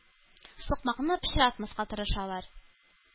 Сукмакны пычратмаска тырышалар.